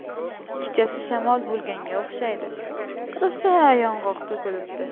kechasi shamol bo'lganga o'xshaydi rosa yong'oq to'kilibdi